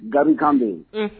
Gabi kan be yen